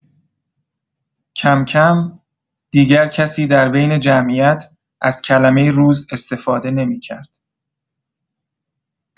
کم‌کم دیگر کسی در بین جمعیت از کلمه روز استفاده نمی‌کرد.